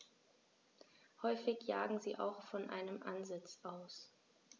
Häufig jagen sie auch von einem Ansitz aus.